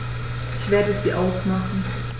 Ich werde sie ausmachen.